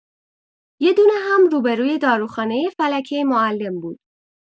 یدونه هم روبروی داروخانه فلکه معلم بود.